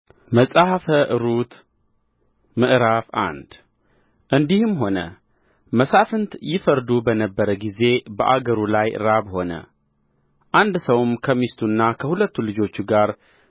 መጽሐፈ ሩት ምዕራፍ አንድ እንዲህም ሆነ መሳፍንት ይፈርዱ በነበረ ጊዜ በአገሩ ላይ ራብ ሆነ አንድ ሰውም ከሚስቱና ከሁለቱ ልጆቹ ጋር